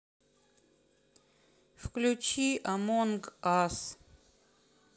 включи амонг ас